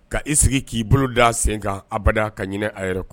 Ka i sigi k'i bolo da i sen ka abada ka ɲinɛ a yɛrɛ kɔ